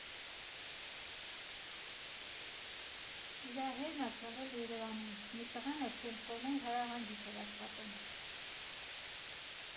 Իրա հերն ա ծնվել Երևանում, մի տղեն էլ Կենտկոմում հրահանգիչ էր աշխատում։